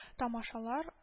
Тамашалар